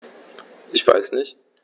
Ich weiß nicht.